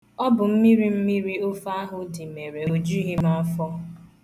Ọ bụ mmirimmiri ofe ahụ dị mere o jughi m afọ.